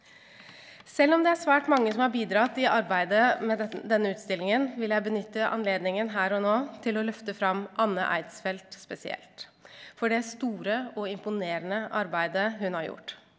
sjølv om det er svært mange som har bidratt i arbeidet med det denne utstillingen vil jeg benytte anledningen her og nå til å løfte fram Anne Eidsfeldt spesielt for det store og imponerende arbeidet hun har gjort.